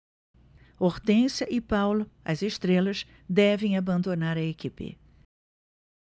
hortência e paula as estrelas devem abandonar a equipe